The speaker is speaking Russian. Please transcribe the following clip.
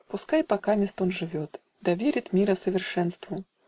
Пускай покамест он живет Да верит мира совершенству